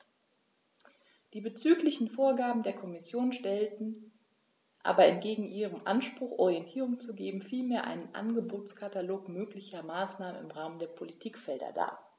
Die diesbezüglichen Vorgaben der Kommission stellen aber entgegen ihrem Anspruch, Orientierung zu geben, vielmehr einen Angebotskatalog möglicher Maßnahmen im Rahmen der Politikfelder dar.